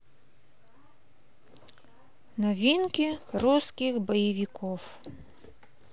новинки русских боевиков